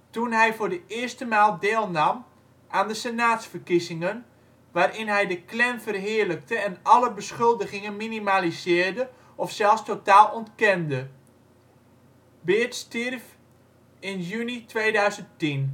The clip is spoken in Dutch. toen hij voor de eerste maal deelnam aan de senaatsverkiezingen - waarin hij de Klan verheerlijkte en alle beschuldigingen minimaliseerde of zelfs totaal ontkende. Byrd stierf in juni 2010